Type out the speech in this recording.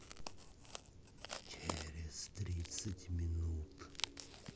через тридцать минут